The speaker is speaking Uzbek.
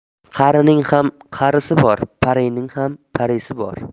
qarining ham qarisi bor parining ham parisi bor